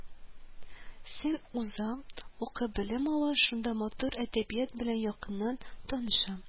Сен уза, укып белем ала, шунда матур әдәбият белән якыннан таныша